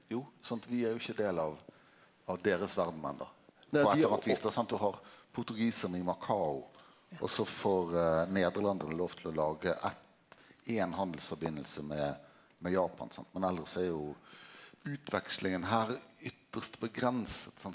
jo sant vi er jo ikkje del av av deira verd enda sant du har portugisarane i Makao og så får nederlendarane lov til å lage eitt éin handelsforbindelse med med Japan sant, men elles er jo utvekslinga her ytst avgrensa sant.